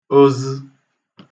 ozə̣